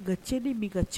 Ka cɛ bɛ ka